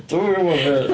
Dwi'm yn gwbod be...